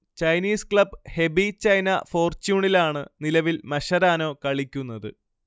Chinese club Hebei China ഫോർച്യൂണിലാണ് നിലവിൽ Mascherano കളിക്കുന്നത്